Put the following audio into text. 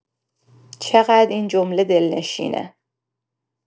چقدر این جمله دلنشینه